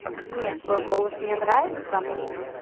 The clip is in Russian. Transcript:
нет твой голос мне нравится